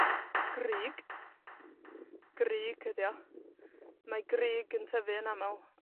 grug. Grug ydi o. Mae grug yn tyfu yn amal,